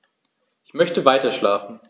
Ich möchte weiterschlafen.